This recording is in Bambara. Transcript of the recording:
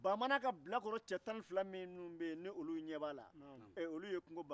e ba ma e dege tobilila ni i nimɔgɔmuso nana ale de bɛ e dege